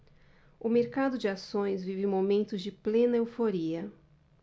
o mercado de ações vive momentos de plena euforia